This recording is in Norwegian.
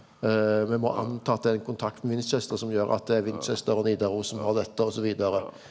me må anta at det er ein kontakt med Winchester som gjer at det er Winchester og Nidaros som har dette og så vidare.